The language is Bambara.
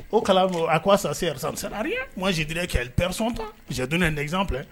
O kalan a k ko a sara se sari jedre kɛɛsɔn jed nɛgɛsan filɛ